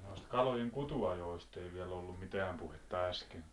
noista kalojen kutuajoista ei vielä ollut mitään puhetta äsken